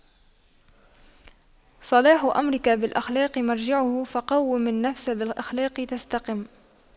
صلاح أمرك بالأخلاق مرجعه فَقَوِّم النفس بالأخلاق تستقم